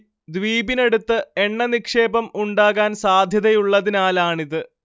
ദ്വീപിനടുത്ത് എണ്ണ നിക്ഷേപം ഉണ്ടാകാൻ സാദ്ധ്യതയുള്ളതിനാലാണിത്